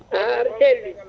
wona aɗa selli